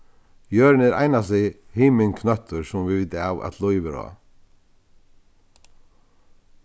jørðin er einasti himinknøttur sum vit vita av at lív er á